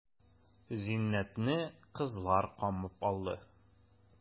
Зиннәтне кызлар камап алды.